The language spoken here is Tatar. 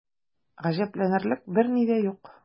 Гаҗәпләнерлек берни дә юк.